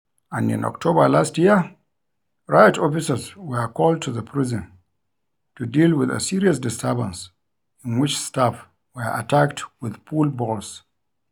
And in October last year riot officers were called to the prison to deal with a serious disturbance in which staff were attacked with pool balls.